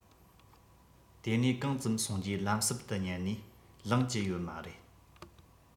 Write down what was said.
དེ ནས གང ཙམ སོང རྗེས ལམ ཟུར དུ ཉལ ནས ལངས ཀྱི ཡོད མ རེད